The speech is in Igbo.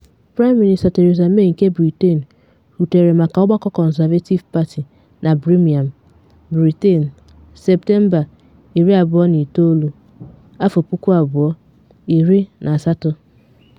Praịm Minista Theresa May nke Britain rutere maka Ọgbakọ Conservative Party na Birmingham, Britain, Septemba 29, 2018.